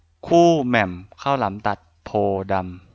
คู่แหม่มข้าวหลามตัดโพธิ์ดำ